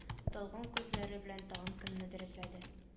Талгун күзләре белән тагын кемнедер эзләде